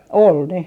oli ne